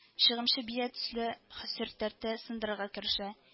Чыгымчы бия төсле хөэср тәртә сындырырга керешә